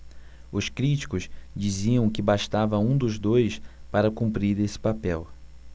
os críticos diziam que bastava um dos dois para cumprir esse papel